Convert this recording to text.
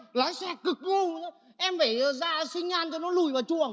lái xe cực ngu nhá em phải ra xi nhan cho nó lùi vào chuồng